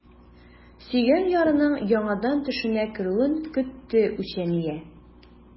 Сөйгән ярының яңадан төшенә керүен көтте үчәния.